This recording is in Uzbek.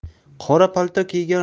qora palto kiygan